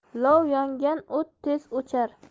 lov yongan o't tez o'char